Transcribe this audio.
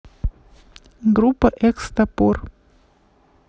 группа экс топор